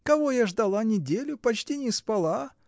Кого я ждала неделю, почти не спала?